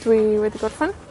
Dwi wedi gorffan.